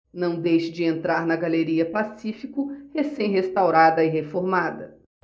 não deixe de entrar na galeria pacífico recém restaurada e reformada